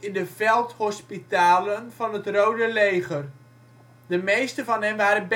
de veldhospitalen van het Rode Leger. De meeste van hen waren